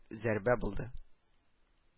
Зәрбә булды